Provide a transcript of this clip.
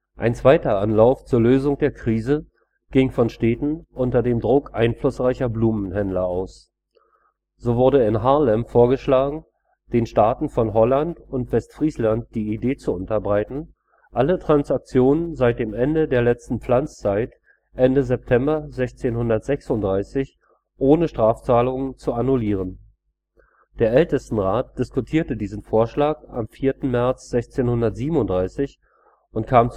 Ein zweiter Anlauf zur Lösung der Krise ging von Städten unter dem Druck einflussreicher Blumenhändler aus. So wurde in Haarlem vorgeschlagen, den Staaten von Holland und Westfriesland die Idee zu unterbreiten, alle Transaktionen seit dem Ende der letzten Pflanzzeit (planttijt) Ende September 1636 ohne Strafzahlungen zu annullieren. Der Ältestenrat (vroedschap) diskutierte diesen Vorschlag am 4. März 1637 und kam